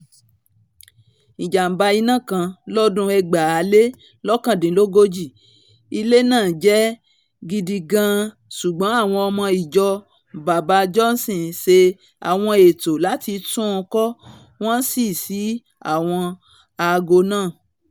Ìjàm̀bá iná kan lọ́dún 1939 ba ilé na ̀jẹ́ gidigan, ṣùgbọ́n àwọn ọmọ ìjọ Baba Johnson ṣe àwọn ètò láti tún un kọ́, wọ́n sì ṣí àwọn aago nạ́.